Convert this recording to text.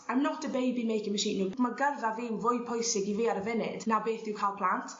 I'm not a baby making machine you know ma' gyrfa fi yn fwy pwysig i fi ar y funud na beth yw ca'l plant.